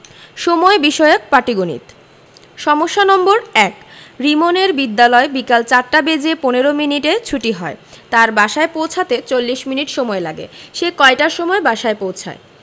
সময় বিষয়ক পাটিগনিতঃ ১০ রিমনের বিদ্যালয় বিকাল ৪ টা বেজে ১৫ মিনিটে ছুটি হয় তার বাসায় পৌছাতে ৪০ মিনিট সময়লাগে সে কয়টার সময় বাসায় পৌছায়